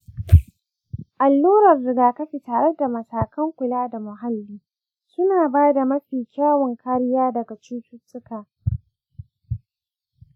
allurar rigakafi tare da matakan kula da muhalli suna ba da mafi kyawun kariya daga cututtuka.